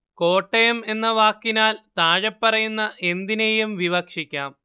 കോട്ടയം എന്ന വാക്കിനാൽ താഴെപ്പറയുന്ന എന്തിനേയും വിവക്ഷിക്കാം